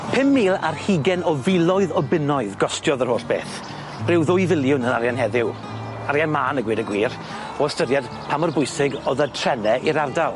Pum mil ar hugen o filoedd o bunnoedd gostiodd yr holl beth, ryw ddwy filiwn yn arian heddiw, arian mân a gweud y gwir o ystyried pa mor bwysig o'dd y trene i'r ardal.